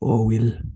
O, Wil.